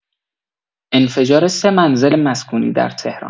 انفجار ۳ منزل مسکونی در تهران